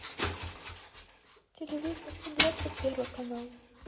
телевизор двадцать первый канал